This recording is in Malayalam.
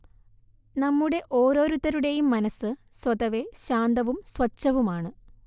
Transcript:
നമ്മുടെ ഓരോരുത്തരുടെയും മനസ്സ് സ്വതവേ ശാന്തവും സ്വഛവുമാണ്